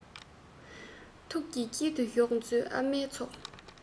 ཐུགས ཀྱི དཀྱིལ དུ ཞོག མཛོད ཨ མའི ཚོགས